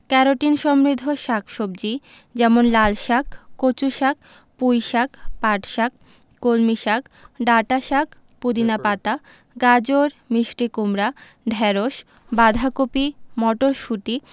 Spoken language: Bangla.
ক্যারোটিন সমৃদ্ধ শাক সবজি যেমন লালশাক কচুশাক পুঁইশাক পাটশাক কলমিশাক ডাঁটাশাক পুদিনা পাতা গাজর মিষ্টি কুমড়া ঢেঁড়স বাঁধাকপি মটরশুঁটি